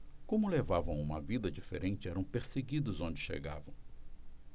como levavam uma vida diferente eram perseguidos onde chegavam